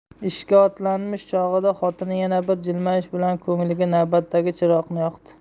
ishga otlanish chog'ida xotini yana bir jilmayish bilan ko'ngliga navbatdagi chiroqni yoqdi